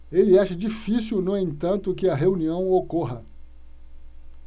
ele acha difícil no entanto que a reunião ocorra